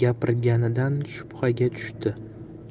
gapirganidan shubhaga tushdi